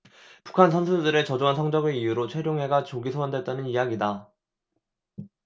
북한 선수들의 저조한 성적을 이유로 최룡해가 조기 소환됐다는 이야기다